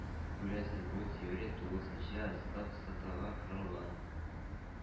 Күрәсез, бу теория тулысынча сафсатага корылган.